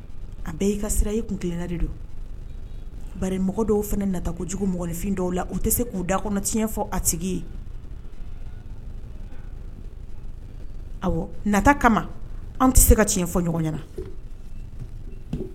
A bɛɛ' kasira e kun tilenna de don bari mɔgɔ dɔw fana nata ko jugu mɔgɔnfin dɔw la u tɛ se k'u da kɔnɔ ti fɔ a tigi ye nata kama an tɛ se ka ti fɔ ɲɔgɔn ɲɛna